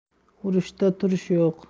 urushda turish yo'q